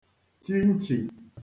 chi nchì